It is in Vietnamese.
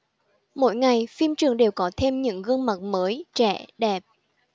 mỗi ngày phim trường đều có thêm những gương mặt mới trẻ đẹp